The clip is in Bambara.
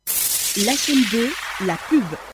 La bɛ laki bɔ